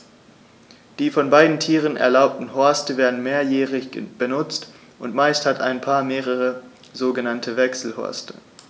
Die von beiden Tieren erbauten Horste werden mehrjährig benutzt, und meist hat ein Paar mehrere sogenannte Wechselhorste.